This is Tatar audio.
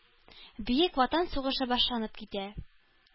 Бөек Ватан сугышы башланып китә.